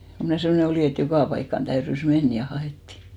kun minä semmoinen olin että joka paikkaan täytyi mennä ja haettiin